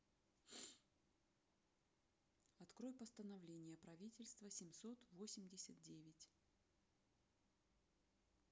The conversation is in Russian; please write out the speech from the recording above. открой постановление правительства семьсот восемьдесят девять